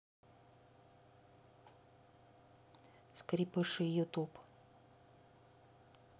скрепыши ютуб